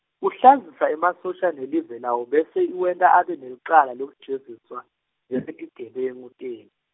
Kuhlazisa emasotja nelive lawo bese iwenta abe nelicala lwekujeziswa, njengetigebengu tem-.